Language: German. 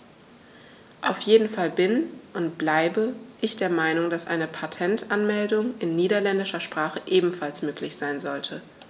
Auf jeden Fall bin - und bleibe - ich der Meinung, dass eine Patentanmeldung in niederländischer Sprache ebenfalls möglich sein sollte.